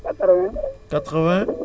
439